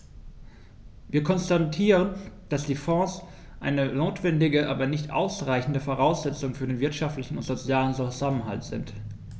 Wir konstatieren, dass die Fonds eine notwendige, aber nicht ausreichende Voraussetzung für den wirtschaftlichen und sozialen Zusammenhalt sind.